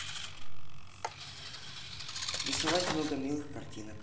рисовать много милых картинок